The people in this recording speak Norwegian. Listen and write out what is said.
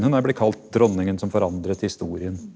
hun er blitt kalt dronningen som forandret historien.